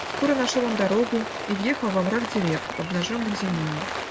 Скоро нашел он дорогу и въехал во мрак дерев, обнаженных зимою.